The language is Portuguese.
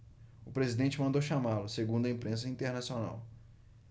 o presidente mandou chamá-lo segundo a imprensa internacional